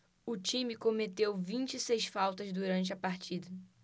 o time cometeu vinte e seis faltas durante a partida